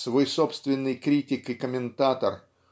Свой собственный критик и комментатор